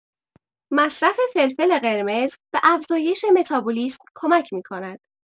مصرف فلفل قرمز به افزایش متابولیسم کمک می‌کند.